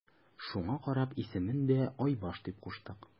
Шуңа карап исемен дә Айбаш дип куштык.